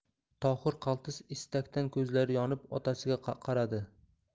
tohir qaltis istakdan ko'zlari yonib otasiga qaradi